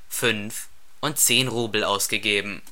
5 und 10 Rubel ausgegeben